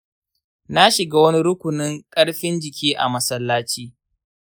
na shiga wani rukunin ƙarfin-jiki a masallaci.